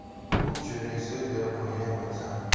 uch joyga so'z berib qo'ygan bo'lsam